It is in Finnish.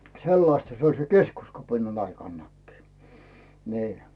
sellaista se oli sen keskuskapinan aikanakin niin